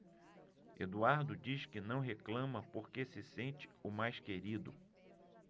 eduardo diz que não reclama porque se sente o mais querido